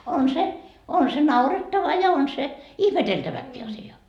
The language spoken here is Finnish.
on se on se naurettava ja on se ihmeteltäväkin asia